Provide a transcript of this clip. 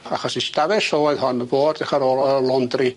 achos ei stafell o oedd hon fo edrych ar ôl y y laundry.